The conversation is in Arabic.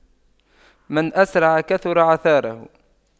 من أسرع كثر عثاره